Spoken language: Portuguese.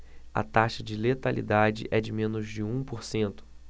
a taxa de letalidade é de menos de um por cento